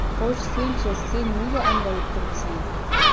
xo'sh senchi sen nega angrayib turibsan